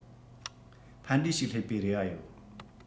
ཕན འབྲས ཞིག སླེབས པའི རེ བ ཡོད